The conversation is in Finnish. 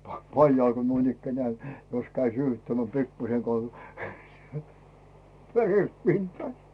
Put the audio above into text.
paljailla kun noinikään jos kävi syyhyttämään pikkuisenkaan veret pintaan